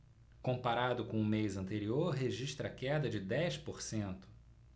comparado com o mês anterior registra queda de dez por cento